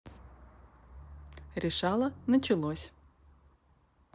решала началось